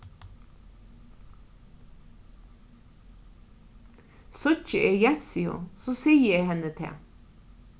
síggi eg jensiu so sigi eg henni tað